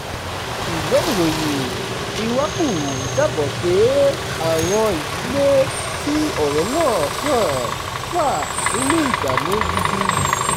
Ìwé ìròyìn iwacu jábọ̀ pé àwọn ìdílé tí ọ̀rọ̀ náà kàn wà nínú ìdààmú gidi.